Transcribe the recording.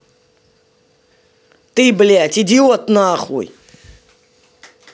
ты блядь идиот нахуй